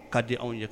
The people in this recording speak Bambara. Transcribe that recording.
K ka di anw ye kan